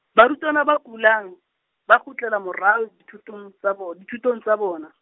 barutwana ba kulang, ba kgutlela morao dithotong tsa bon-, dithutong tsa bona.